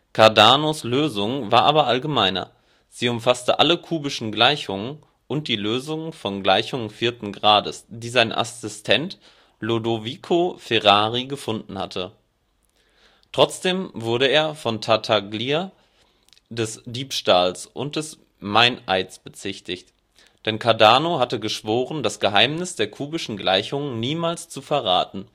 Cardanos Lösung war aber allgemeiner, sie umfasste alle kubischen Gleichungen (und die Lösungen von Gleichungen 4. Grades, die sein Assistent Lodovico Ferrari gefunden hatte, vgl. Cardanische Formeln). Trotzdem wurde er von Tartaglia des Diebstahls und des Meineids bezichtigt – denn Cardano hatte geschworen, das Geheimnis der kubischen Gleichungen niemals zu verraten